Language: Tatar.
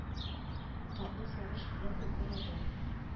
Татлы сагыш белән ул карады